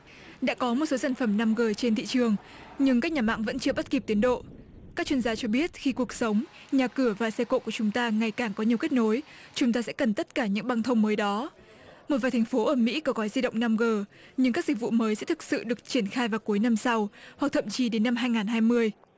đã có một số sản phẩm năm gờ trên thị trường nhưng các nhà mạng vẫn chưa bắt kịp tiến độ các chuyên gia cho biết khi cuộc sống nhà cửa và xe cộ của chúng ta ngày càng có nhiều kết nối chúng ta sẽ cần tất cả những băng thông mới đó một vài thành phố ở mỹ có gói di động năm gờ nhưng các dịch vụ mới sẽ thực sự được triển khai vào cuối năm sau hoặc thậm chí đến năm hai ngàn hai mươi